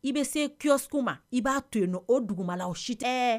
I bɛ seso ma i b'a to yen n o dugumala si tɛ